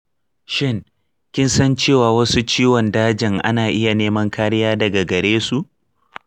shin kinsan cewa wasu ciwon dajin ana iya neman kariya daga garesu?